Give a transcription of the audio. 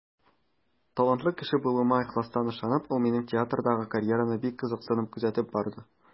Талантлы кеше булуыма ихластан ышанып, ул минем театрдагы карьераны бик кызыксынып күзәтеп барды.